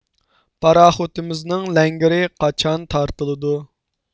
پاراخوتىمىزنىڭ لەڭگىرى قاچان تارتىلىدۇ